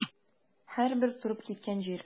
Һәрбер торып киткән җир.